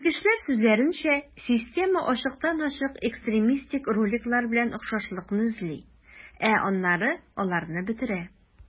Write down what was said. Белгечләр сүзләренчә, система ачыктан-ачык экстремистик роликлар белән охшашлыкны эзли, ә аннары аларны бетерә.